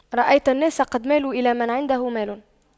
رأيت الناس قد مالوا إلى من عنده مال